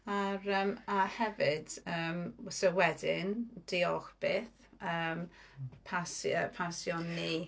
A'r yym a hefyd... Yym so wedyn diolch byth, yym pasi- yy pasion ni.